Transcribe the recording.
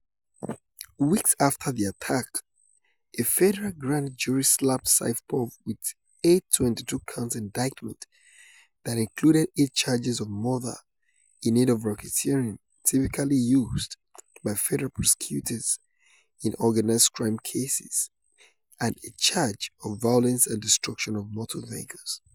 Weeks after the attack, a federal grand jury slapped Saipov with a 22-count indictment that included eight charges of murder in aid of racketeering, typically used by federal prosecutors in organized crime cases, and a charge of violence and destruction of motor vehicles.